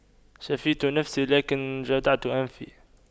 شفيت نفسي ولكن جدعت أنفي